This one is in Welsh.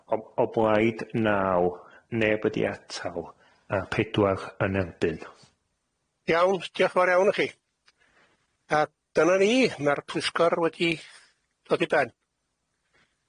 O- o blaid, naw. Neb wedi atal, a pedwar yn erbyn... Iawn, diolch yn fawr iawn i chi. A dyna ni, mae'r pwyllgor wedi dod i ben.